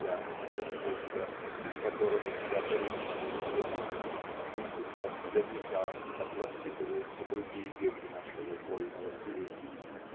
Я, Зецинго, которому тебя поручили ребенком, воспитал тебя не так, как воспитываются другие дети нашего вольного племени.